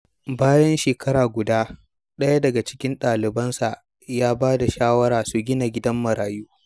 Bayan shekara guda, ɗaya daga cikin ɗalibansa ya ba da shawarar su gina gidan marayu.